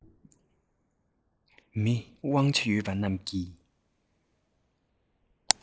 མི དབང ཆ ཡོད པ རྣམས ཀྱིས